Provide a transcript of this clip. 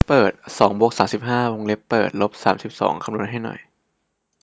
วงเล็บเปิดสองบวกสามสิบห้าวงเล็บปิดลบสามสิบสองคำนวณให้หน่อย